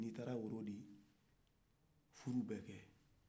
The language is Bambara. n'i taara woro di furu bɛ kɛ